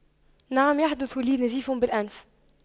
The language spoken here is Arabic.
نعم يحدث لي نزيف بالأنف